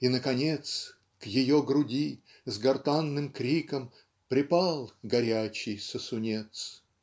и наконец К ее груди с гортанным криком Припал горячий сосунец.